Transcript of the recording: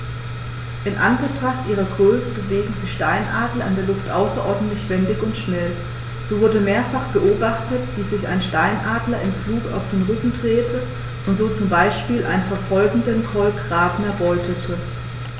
In Anbetracht ihrer Größe bewegen sich Steinadler in der Luft außerordentlich wendig und schnell, so wurde mehrfach beobachtet, wie sich ein Steinadler im Flug auf den Rücken drehte und so zum Beispiel einen verfolgenden Kolkraben erbeutete.